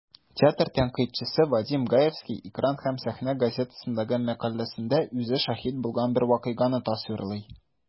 Театр тәнкыйтьчесе Вадим Гаевский "Экран һәм сәхнә" газетасындагы мәкаләсендә үзе шаһит булган бер вакыйганы тасвирлый.